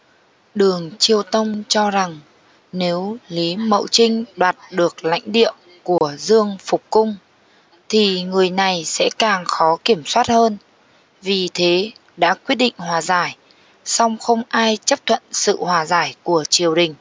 đường chiêu tông cho rằng nếu lý mậu trinh đoạt được lãnh địa của dương phục cung thì người này sẽ càng khó kiểm soát hơn vì thế đã quyết định hòa giải song không ai chấp thuận sự hòa giải của triều đình